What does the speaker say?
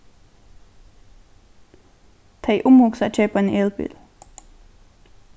tey umhugsa at keypa ein elbil